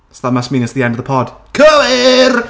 So that must mean it's the end of the pod. Cywir!